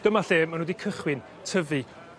Dyma lle ma' n'w 'di cychwyn tyfu